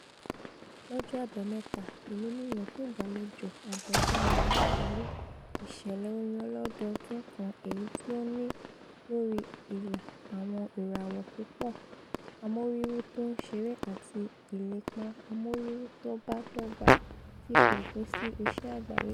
Lọ́jọ́ Àbámẹ́ta ìlú New York yóò gbàlejò Àjọ̀dun Ọmọ Ìlú Àgbáyé, ìṣẹ̀lẹ̀ orin ọlọ́ọdọdún kan èyití ó ní lórí-ìlà àwọn ìràwọ̀ púpọ̀ amóríwú tó ńṣeré àti ìlépa amóríwú tóbáa dọ́gba; fífi òpin sí ìṣẹ́ àgbáyé.